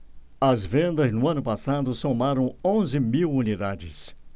as vendas no ano passado somaram onze mil unidades